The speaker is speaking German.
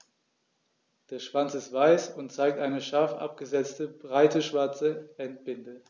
Der Schwanz ist weiß und zeigt eine scharf abgesetzte, breite schwarze Endbinde.